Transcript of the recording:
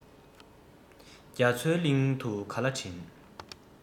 རྒྱ མཚོའི གླིང དུ ག ལ བྲིན